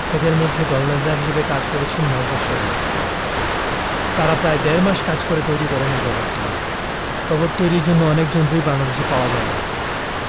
এদের মধ্যে দলনেতা হিসেবে কাজ করেছেন নওশাদ সজীব তারা প্রায় দেড় মাস কাজ করে তৈরি করেন এই রোবটটি রোবট তৈরির জন্য অনেক যন্ত্রই বাংলাদেশে পাওয়া যায় না